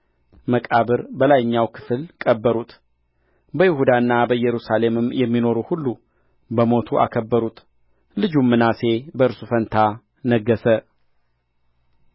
መቃብር በላይኛው ክፍል ቀበሩት በይሁዳና በኢየሩሳሌምም የሚኖሩ ሁሉ በሞቱ አከበሩት ልጁም ምናሴ በእርሱ ፋንታ ነገሠ